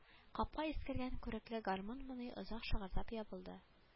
Капка искергән күрекле гармунмыни озак шыгырдап ябылды